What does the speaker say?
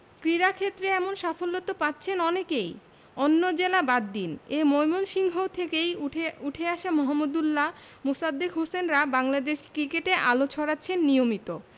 ক্রীড়াক্ষেত্রে এমন সাফল্য তো পাচ্ছেন অনেকেই অন্য জেলা বাদ দিন এ ময়মনসিংহ থেকেই উঠে উঠে আসা মাহমুদউল্লাহ মোসাদ্দেক হোসেনরা বাংলাদেশ ক্রিকেটে আলো ছড়াচ্ছেন নিয়মিত